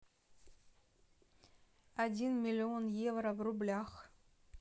один миллион евро в рублях